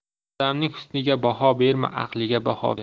odamning husniga baho berma aqliga baho ber